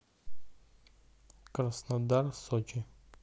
краснодар сочи